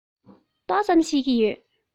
ཏོག ཙམ ཤེས ཀྱི ཡོད